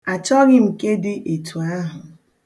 Achọghị m nke dị etu ahụ.